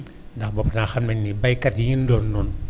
ndax boobu temps xam nañu ni baykat yi ñu doonoon